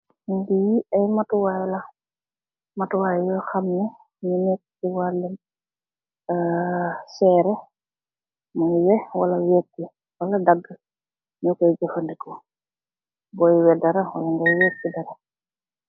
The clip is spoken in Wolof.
Li ay matu way la, matu way yu xam neh ñi nekka ci walum sereh, muy weh wala wééki wala dagg no Koy jafandiko. Boy weh dara walla ngee wééki dara.